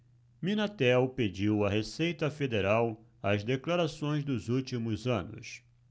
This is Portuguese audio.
minatel pediu à receita federal as declarações dos últimos anos